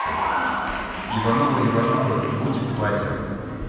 ивановы ивановы бутик платья